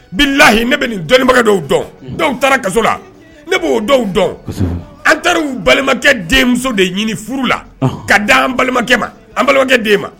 Bi lahi ne bɛ dɔnnikɛ dɔw dɔn dɔw taara kaso la ne b'o dɔw dɔn an taarari u balimakɛ denmuso de ɲini furu la ka da an balimakɛ ma an balimakɛ den ma